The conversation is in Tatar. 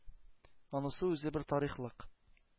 Анысы үзе бер тарихлык.